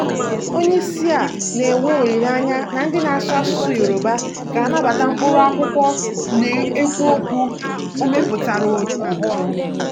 Onyeisi a na-enwe olileanya na ndị na-asụ asụsụ Yorùbá ga-anabata 'mkpụrụ akwụkwọ na-ekwu okwu' ọ mepụtara ọhụrụ